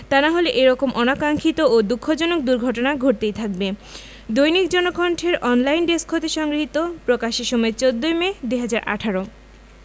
তা না হলে এ রকম অনাকাংক্ষিত ও দুঃখজনক দুর্ঘটনা ঘটতেই থাকবে দৈনিক জনকণ্ঠের অনলাইন ডেস্ক হতে সংগৃহীত প্রকাশের সময় ১৪ মে ২০১৮